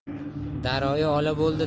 daroyi ola bo'ldi